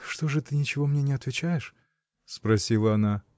— Что ж ты ничего мне не отвечаешь? — спросила она.